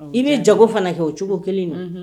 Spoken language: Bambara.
I be jago fana kɛ o cogo kelen na Unhun